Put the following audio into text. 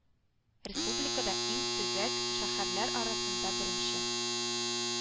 Республикада иң төзек шәһәрләр арасында беренче